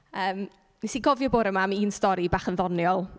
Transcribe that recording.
Yym, wnes i gofio bore yma am un stori bach yn ddoniol.